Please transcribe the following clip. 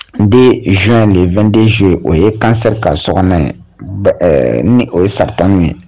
N bɛ z de2denzo ye o ye kansɛ k ka so ye ni o ye sara tanw ye